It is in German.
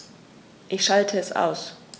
Ich schalte es aus.